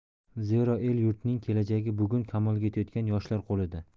zero el yurtning kelajagi bugun kamolga yetayotgan yoshlar qo'lida